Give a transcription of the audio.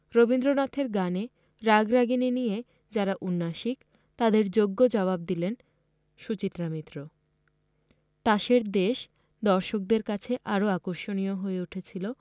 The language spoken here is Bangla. রবীন্দ্রনাথের গানে রাগরাগিণী নিয়ে যারা উন্নাসিক তাদের যোগ্য জবাব দিলেন সুচিত্রা মিত্র তাসের দেশ দর্শকদের কাছে আরও আকর্ষণীয় হয়ে উঠেছিল